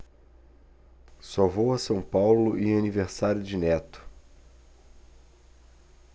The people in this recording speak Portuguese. só vou a são paulo em aniversário de neto